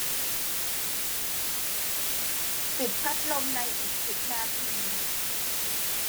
ปิดพัดลมในอีกสิบนาที